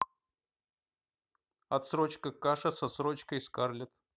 отсрочка каша с отсрочкой скарлетт